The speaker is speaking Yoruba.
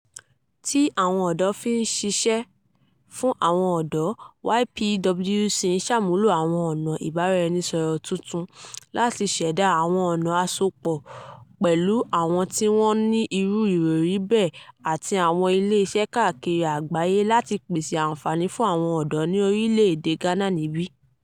Tí àwọn ọ̀dọ́ fí ń ṣiṣẹ́, fún àwọn ọ̀dọ́, YPWC ń sàmúlò àwọn ọ̀nà ìbáraẹnisọ̀rọ̀ tuntun láti ṣẹ̀dá àwọn ọ̀nà àsopọ̀ pẹ̀lú àwọn tí wọ́n ní irú ìròrí bẹ́ẹ̀ àti àwọn ilé iṣẹ́ káàkiri àgbáyé láti pèsè àǹfààní fún àwọn ọ̀dọ́ ní orílẹ̀ èdè Ghana níbí.